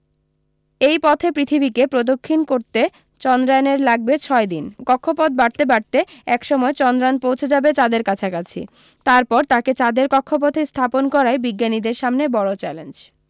এই পথে পৃথিবীকে প্রদক্ষিণ করতে চন্দ্র্যানের লাগবে ছয় দিন কক্ষপথ বাড়তে বাড়তে একসময় চন্দ্র্যান পৌঁছে যাবে চাঁদের কাছাকাছি তার পর তাকে চাঁদের কক্ষপথে স্থাপন করাই বিজ্ঞানীদের সামনে বড় চ্যালেঞ্জ